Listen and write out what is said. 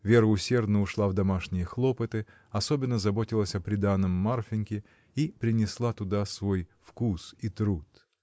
Вера усердно ушла в домашние хлопоты, особенно заботилась о приданом Марфиньки и принесла туда свой вкус и труд.